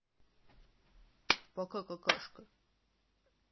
пока какашка